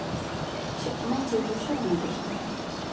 все помолчи уже все равно больше двух